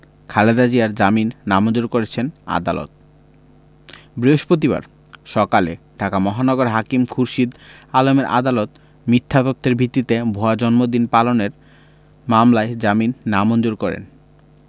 খালেদা জিয়ার জামিন নামঞ্জুর করেছেন আদালত বৃহস্পতিবার সকালে ঢাকা মহানগর হাকিম খুরশীদ আলমের আদালত মিথ্যা তথ্যের ভিত্তিতে ভুয়া জন্মদিন পালনের মামলায় জামিন নামঞ্জুর করেন